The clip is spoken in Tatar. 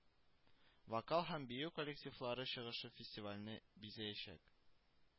Вокал һәм бию коллективлары чыгышы фестивальне бизәячәк